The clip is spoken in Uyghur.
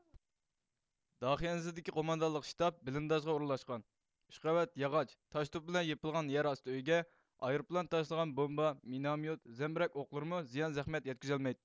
داخىيەنزىدىكى قوماندانلىق شتاب بېلىنداژغا ئورۇنلاشقان ئۈچ قەۋەت ياغاچ تاش توپا بىلەن يېپىلغان يەر ئاستى ئۆيىگە ئايروپىلان تاشلىغان بومبا مىناميوت زەمبىرەك ئوقلىرىمۇ زىيان زەخمەت يەتكۈزەلمەيتتى